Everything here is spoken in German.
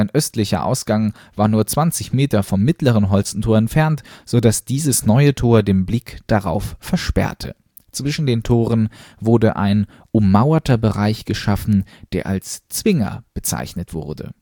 östlicher Ausgang war nur 20 Meter vom Mittleren Holstentor entfernt, so dass dieses neue Tor den Blick darauf versperrte. Zwischen den Toren wurde ein ummauerter Bereich geschaffen, der als Zwinger bezeichnet wurde